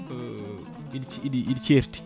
eɗi eɗi certi